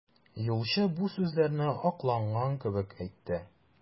Юлчы бу сүзләрне акланган кебек әйтте.